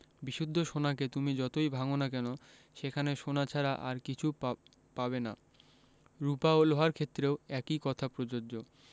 বিশুদ্ধ সোনাকে তুমি যতই ভাঙ না কেন সেখানে সোনা ছাড়া আর কিছু পা পাবে না রুপা এবং লোহার ক্ষেত্রেও একই কথা প্রযোজ্য